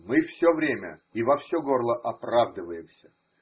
Мы все время и во все горло оправдываемся.